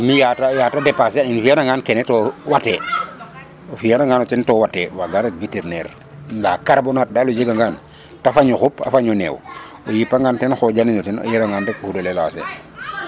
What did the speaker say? i yata yata dépasser na fiya ngan kene to wate o fiya ngano ten te wato waga ret vétérinaire nda carbonate dal o jega ngan ta faño xup a faño neew o yipa ngano ten xoƴa nino ten o yera ngan rek o fudole lancer